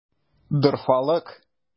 Дорфалык!